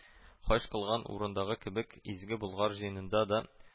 Хаҗ кылган урындагы кебек, Изге Болгар җыенында да